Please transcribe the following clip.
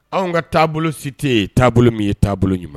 Anw ka taabolo si tɛ ye taabolo min ye taabolo ɲuma